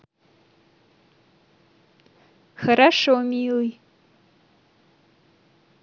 хорошо милый